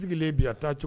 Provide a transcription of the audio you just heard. Sigilen bi a taa cogo